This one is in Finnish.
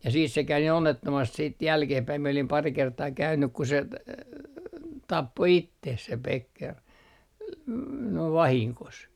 ja siis se kävi niin onnettomasti sitten jälkeenpäin minä olin pari kertaa käynyt kun se tappoi itsensä se Becker - noin vahingossa